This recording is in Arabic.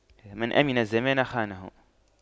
من أَمِنَ الزمان خانه